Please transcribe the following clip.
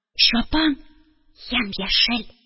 Чапан – ямь-яшел.